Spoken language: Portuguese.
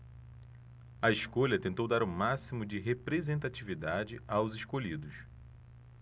a escolha tentou dar o máximo de representatividade aos escolhidos